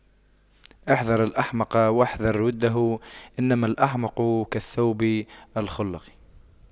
احذر الأحمق واحذر وُدَّهُ إنما الأحمق كالثوب الْخَلَق